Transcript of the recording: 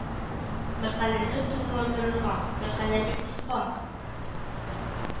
Мәкаләне тулыландырырга мәкалә бик кыска